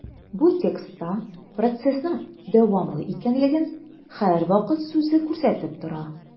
Бу текстта процессның дәвамлы икәнлеген «һәрвакыт» сүзе күрсәтеп тора.